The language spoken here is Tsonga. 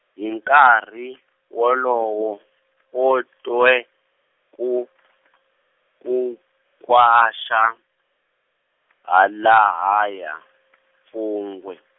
hi nkarhi , wolowo, u twe, ku , ku kwaxa, halahaya , mpfungwe.